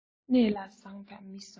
གནས ལ བཟང དང མི བཟང